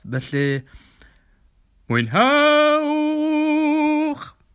Felly, mwynhewch!